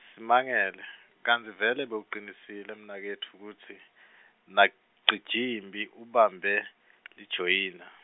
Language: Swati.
simangele, kantsi vele bowucinisile mnaketfu kutsi, naCijimphi ubambe , lijoyina?